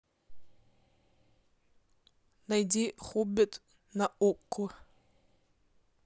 найди хоббит на окко